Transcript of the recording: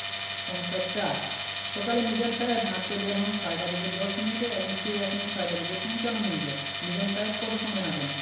সমস্যা ৪ সকালে মিজান সাহেব হাঁটতে বের হন ৬টা বেজে ১০ মিনিটে এবং ফিরে আসেন ৬টা বেজে পঞ্চান্ন মিনিটে মিজান সাহেব কত সময় হাঁটেন